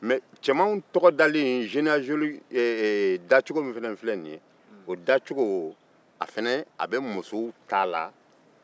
mɛ cɛman ta dacogo in fana bɛ musow ta la